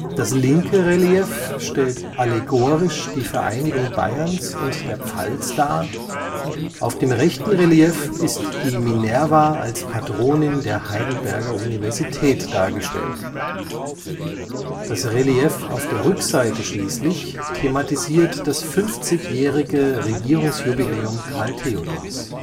Das linke Relief stellt allegorisch die Vereinigung Bayerns und der Pfalz dar, auf dem rechten Relief ist die Minerva als Patronin der Heidelberger Universität dargestellt, das Relief auf der Rückseite schließlich thematisiert das 50-jährige Regierungsjubiläum Karl Theodors